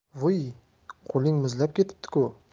vuy qo'ling muzlab ketibdi ku